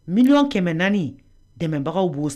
Mi kɛmɛ naani dɛmɛbagaw b'o